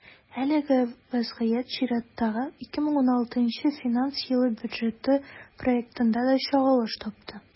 Әлеге вазгыять чираттагы, 2016 финанс елы бюджеты проектында да чагылыш тапты.